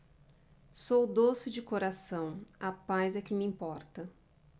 sou doce de coração a paz é que me importa